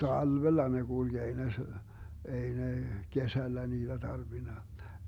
talvella ne kulki ei ne - ei ne kesällä niitä tarvinnut